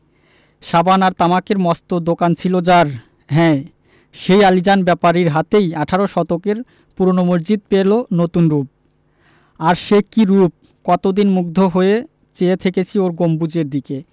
সাবান আর তামাকের মস্ত দোকান ছিল যার হ্যাঁ সেই আলীজান ব্যাপারীর হাতেই আঠারো শতকের পুরোনো মসজিদ পেলো নতুন রুপ আর সে কি রুপ কতদিন মুগ্ধ হয়ে চেয়ে থেকেছি ওর গম্বুজের দিকে